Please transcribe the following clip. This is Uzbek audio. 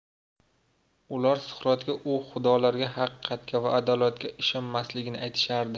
ular suqrotga u xudolarga haqiqatga va adolatga ishonmasligini aytishardi